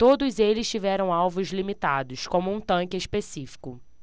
todos eles tiveram alvos limitados como um tanque específico